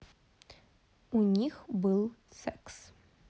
у них был секс